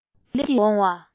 རང བཞིན གྱིས སླེབས འོང བའི